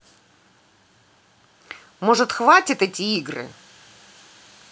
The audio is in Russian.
может хватит эти игры